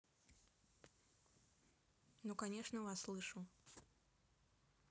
ну конечно вас слышу